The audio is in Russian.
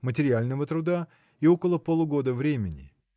материального труда и около полугода времени.